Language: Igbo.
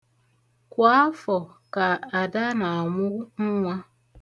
Kwa afọ ka Ada na-amụ nwa.